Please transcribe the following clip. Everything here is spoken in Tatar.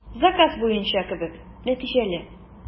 Заказ буенча кебек, нәтиҗәле.